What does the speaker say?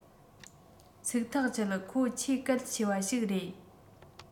ཚིག ཐག བཅད ཁོ ཆེས གལ ཆེ བ ཞིག རེད